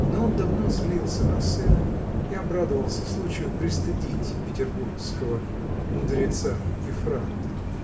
но он давно злился на сына и обрадовался случаю пристыдить петербургского мудреца и франта.